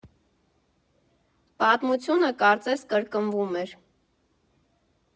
Պատմությունը կարծես կրկնվում էր։